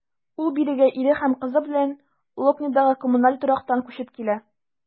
Ул бирегә ире һәм кызы белән Лобнядагы коммуналь торактан күчеп килә.